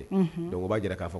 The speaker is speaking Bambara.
Unhun donc o b'a jira k'a fɔ